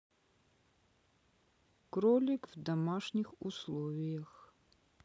кролик в домашних условиях